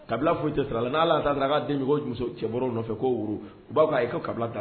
Kabila foyi cɛ sirala n' taara n'a denmuso cɛw nɔfɛ ko b'a' ka kabila da